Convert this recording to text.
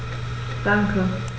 Danke.